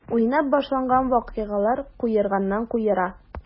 Уйнап башланган вакыйгалар куерганнан-куера.